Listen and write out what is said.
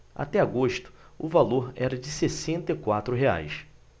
até agosto o valor era de sessenta e quatro reais